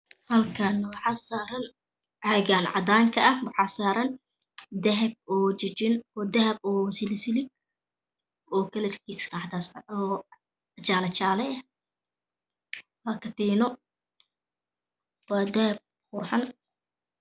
Halkaan waxaa saaran cagaan cadanka ah waxaa saaran dahab oo jijin dahab oo saliid saliid kalarkiisa oo jaale jaale ah waa katiino waa dahab qurxan